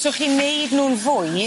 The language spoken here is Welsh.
So chi'n neud nw'n fwy?